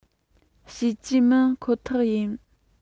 བྱེད ཀྱི མིན ཁོ ཐག ཡིན